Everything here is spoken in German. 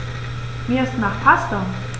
Mir ist nach Pasta.